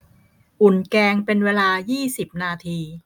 อุ่นแกงเป็นเวลายี่สิบนาที